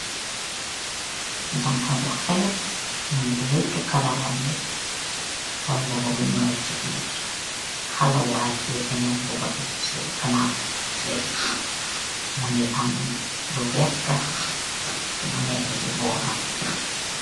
Janxa bu xess mogi letu karawam bi sool mbubu bu nuul si birr xala wacheh benen mbuba i si soff ganawam bi di feng mogi aam lu vertah lu neka si boram.